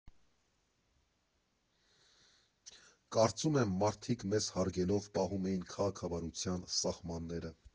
Կարծում եմ՝ մարդիկ՝ մեզ հարգելով, պահում էին քաղաքավարության սահմանները։